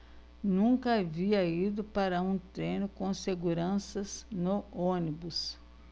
nunca havia ido para um treino com seguranças no ônibus